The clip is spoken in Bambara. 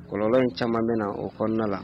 Kɔlɔlɔ in caaman bɛ na o kɔnɔna la